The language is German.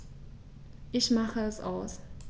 Ich mache es aus.